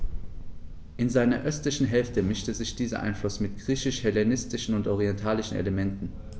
In seiner östlichen Hälfte mischte sich dieser Einfluss mit griechisch-hellenistischen und orientalischen Elementen.